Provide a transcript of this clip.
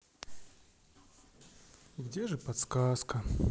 и где же подсказка